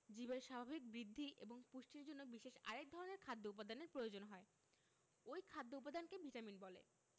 জীবের স্বাভাবিক বৃদ্ধি এবং পুষ্টির জন্য বিশেষ আরেক ধরনের খাদ্য উপাদানের প্রয়োজন হয় ঐ খাদ্য উপাদানকে ভিটামিন বলে